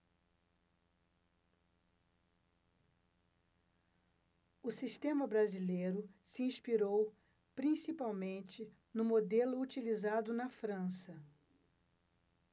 o sistema brasileiro se inspirou principalmente no modelo utilizado na frança